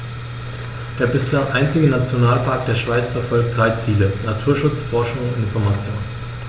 Der bislang einzige Nationalpark der Schweiz verfolgt drei Ziele: Naturschutz, Forschung und Information.